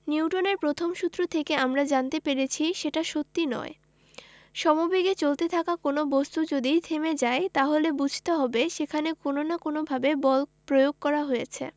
নিউটনের প্রথম সূত্র থেকে আমরা জানতে পেরেছি সেটা সত্যি নয় সমবেগে চলতে থাকা কোনো বস্তু যদি থেমে যায় তাহলে বুঝতে হবে সেখানে কোনো না কোনোভাবে বল প্রয়োগ করা হয়েছে